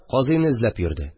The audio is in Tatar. Казыйны эзләп йөрде